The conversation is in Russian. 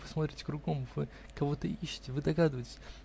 Вы смотрите кругом, вы кого-то ищете, вы догадываетесь.